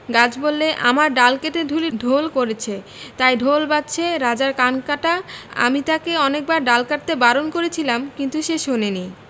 গাছ বললে আমার ডাল কেটে ঢুলি ঢোল করেছে তাই ঢোল বাজছে রাজার কান কাটা আমি তাকে অনেকবার ডাল কাটতে বারণ করেছিলাম কিন্তু সে শোনেনি